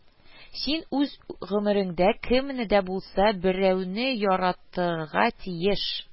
Син үз гомереңдә кемне дә булса берәүне яратырга тиеш